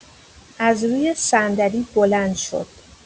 از روی صندلی بلند شد